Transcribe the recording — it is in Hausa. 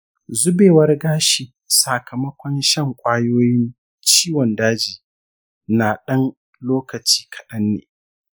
zubewar gashi sakamakon shan kwayoyin ciwon daji na dan lokaci kadanne.